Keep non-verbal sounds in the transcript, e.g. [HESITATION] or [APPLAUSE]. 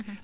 [HESITATION] [HESITATION]